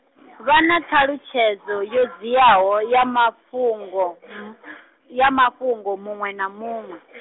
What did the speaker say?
vha na ṱhalutshedzo yo dziaho ya mafhungo, ya mafhungo muṅwe na muṅwe.